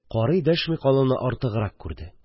Карый дәшми калуны артыграк күрде.